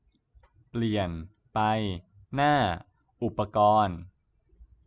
เปลี่ยนไปหน้าอุปกรณ์